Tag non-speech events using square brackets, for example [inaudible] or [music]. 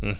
[hesitation] [hesitation]